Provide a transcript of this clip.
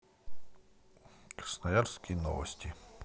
красноярские новости